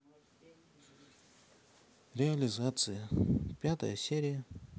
реализация пятая серия